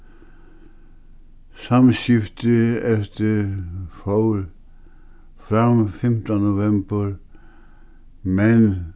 samskiftið eftir fór fram fimta novembur men